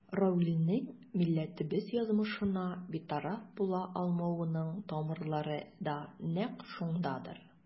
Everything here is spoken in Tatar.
Равилнең милләтебез язмышына битараф була алмавының тамырлары да нәкъ шундадыр.